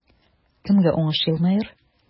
Кемгә уңыш елмаер?